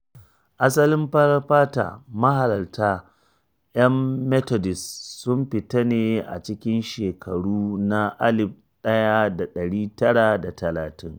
Asalin farar fata mahalarta ‘yan Methodist sun fita ne a cikin shekaru na 1930.